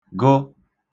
gụ